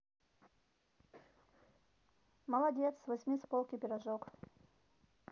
молодец возьми с полки пирожок